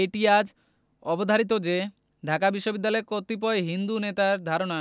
এটিআজ অবধারিত যে ঢাকা বিশ্ববিদ্যালয় কতিপয় হিন্দু নেতার ধারণা